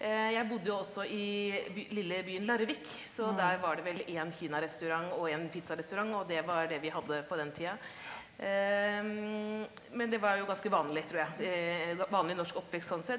jeg bodde jo også i by lille byen Larvik, så der var det vel én kinarestaurant og én pizzarestaurant, og det var det vi hadde på den tida, men det var jo ganske vanlig tror jeg vanlig norsk oppvekst sånn sett.